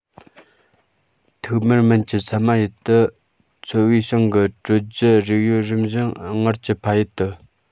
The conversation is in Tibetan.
ཐིག དམར མན གྱི ས དམའ ཡུལ དུ འཚོ བའི བྱང གི དྲོ རྒྱུད རིགས དབྱིབས རིམ བཞིན སྔར གྱི ཕ ཡུལ དུ